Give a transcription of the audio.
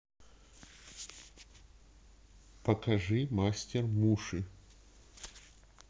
покажи мастер муши